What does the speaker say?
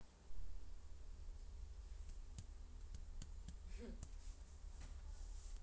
пошла ты